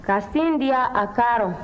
ka sin diya a kan rɔ